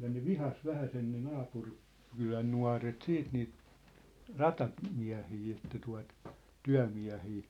ja ne vihasi vähäisen ne - naapurikylän nuoret sitten niitä - ratamiehiä että tuota työmiehiä